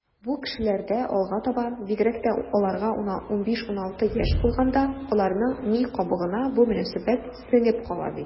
Бу кешеләрдә алга таба, бигрәк тә аларга 15-16 яшь булганда, аларның ми кабыгына бу мөнәсәбәт сеңеп кала бит.